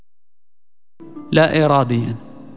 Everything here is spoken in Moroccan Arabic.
لا اراديا